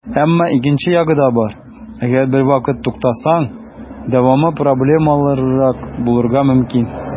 Әмма икенче ягы да бар - әгәр бервакыт туктасаң, дәвамы проблемалырак булырга мөмкин.